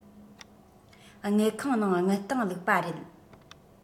དངུལ ཁང ནང དངུལ སྟེང བླུགས པ རེད